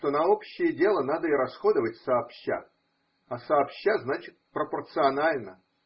что на общее дело надо и расходовать сообща, а сообща значит пропорционально.